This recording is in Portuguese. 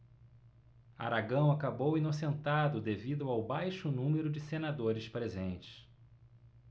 aragão acabou inocentado devido ao baixo número de senadores presentes